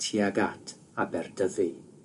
tuag at Aberdyfi.